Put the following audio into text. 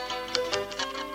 Sanunɛ